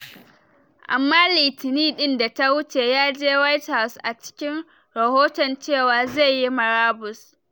Amma Litinin din da ta wuce ya je White House, a cikin rahoton cewa zai yi marabus.